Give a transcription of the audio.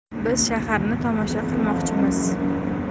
biz shaharni tomosha qilmoqchimiz